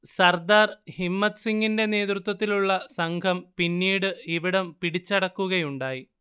സർദാർ ഹിമ്മത്ത് സിങ്ങിന്റെ നേതൃത്വത്തിലുള്ള പിന്നീട് ഇവിടം പിടിച്ചടക്കുകയുണ്ടായി